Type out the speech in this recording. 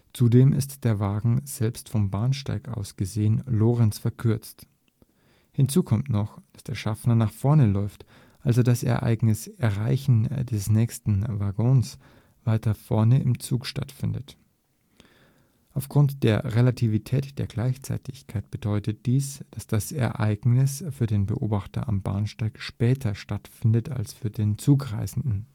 Zudem ist der Wagen selbst vom Bahnsteig aus gesehen Lorentz-verkürzt. Hinzu kommt noch, dass der Schaffner nach vorne läuft, also das Ereignis „ Erreichen des nächsten Wagens “weiter vorne im Zug stattfindet: Aufgrund der Relativität der Gleichzeitigkeit bedeutet dies, dass das Ereignis für den Beobachter am Bahnsteig später stattfindet als für den Zugreisenden